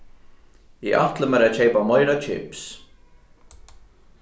eg ætli mær at keypa meira kips